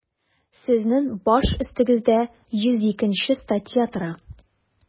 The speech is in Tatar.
Сезнең баш өстегездә 102 нче статья тора.